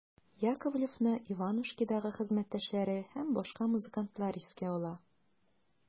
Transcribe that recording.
Яковлевны «Иванушки»дагы хезмәттәшләре һәм башка музыкантлар искә ала.